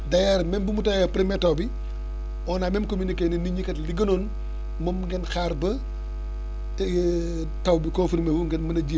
d' ailleurs même bi mu tawee première taw bi on a même communiqué ni nit ñi kat li gënoon moom ngeen xaar ba taw bi confirmé wu ngeen mun a ji